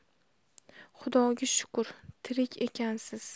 xudoga shukur tirik ekansiz